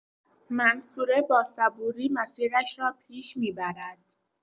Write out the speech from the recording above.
منصوره با صبوری مسیرش را پیش می‌برد.